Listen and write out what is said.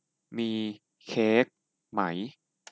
มีเค้กไหม